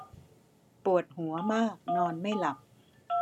ปวดหัวมากนอนไม่หลับ